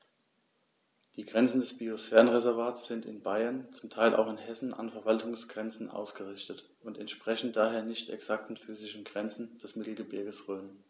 Die Grenzen des Biosphärenreservates sind in Bayern, zum Teil auch in Hessen, an Verwaltungsgrenzen ausgerichtet und entsprechen daher nicht exakten physischen Grenzen des Mittelgebirges Rhön.